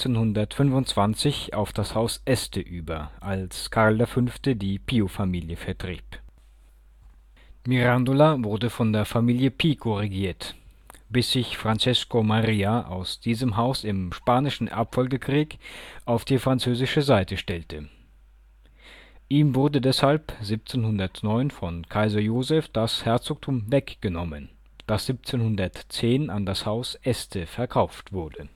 1525 auf das Haus Este über, als Karl V. die Pio-Familie vertrieb. Mirandola wurde von der Familie Pico regiert, bis sich Francesco Maria aus diesem Haus im Spanischen Erbfolgekrieg auf die französische Seite stellte. Ihm wurde deshalb 1709 von Kaiser Joseph das Herzogtum weggenommen, das 1710 an das Haus Este verkauft wurde